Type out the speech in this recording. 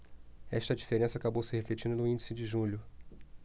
esta diferença acabou se refletindo no índice de julho